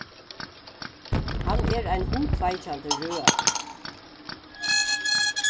hann er ein hugkveikjandi røðari